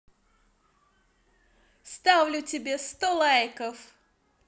ставлю тебе сто лайков